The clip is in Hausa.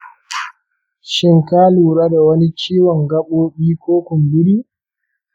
shin ka lura da wani ciwon gaɓoɓi ko kumburi?